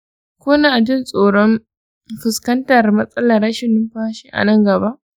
kuna jin tsoron fuskantar matsalar rashin numfashi a nan gaba?